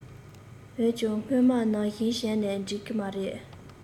འོན ཀྱང སྔོན མ ནང བཞིན བྱས ན འགྲིག གི མ རེད